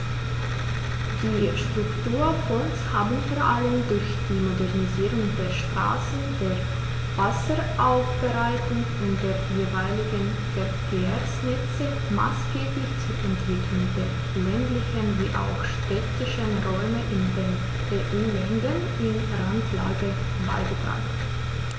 Die Strukturfonds haben vor allem durch die Modernisierung der Straßen, der Wasseraufbereitung und der jeweiligen Verkehrsnetze maßgeblich zur Entwicklung der ländlichen wie auch städtischen Räume in den EU-Ländern in Randlage beigetragen.